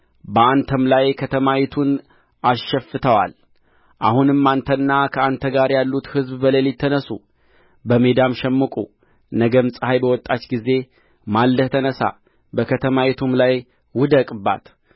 በአንተም ላይ ከተማይቱን አሸፍተዋል አሁንም አንተና ከአንተ ጋር ያሉት ሕዝብ በሌሊት ተነሡ በሜዳም ሸምቁ ነገም ፀሐይ በወጣች ጊዜ ማልደህ ተነሣ በከተማይቱም ላይ ውደቅባት